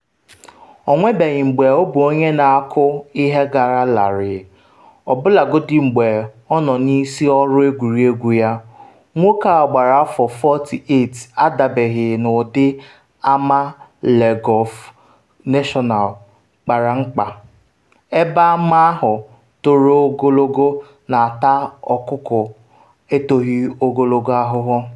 Ọ nwebeghị mgbe ọ bụ onye na-akụ ihe gara larịị ọbụlagodi mgbe ọ nọ n’isi ọrụ egwuregwu ya, nwoke a gbara afọ 48 adabaghị n’ụdị ama Le Golf National kpara mkpa, ebe ama ahụ toro ogologo na-ata ọkụkụ etoghi ogologo ahụhụ.